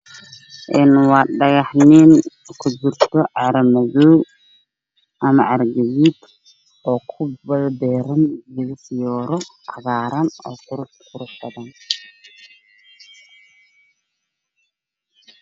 Waa dhagaxman kujirto carro madow ama gaduud oo kubeeran geedo fiyoore oo cagaaran oo qurux badan.